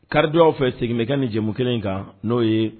Karidi aw fɛ sigilen ka ni jɛmu kelen in kan n'o ye